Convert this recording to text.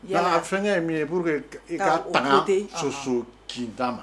Bala fɛnkɛ ye min yeur i ka soso kin'a ma